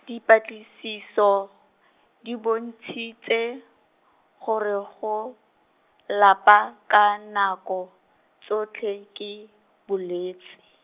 dipatlisiso, di bontshitse, gore go, lapa, ka nako, tsotlhe, ke bolwetsi.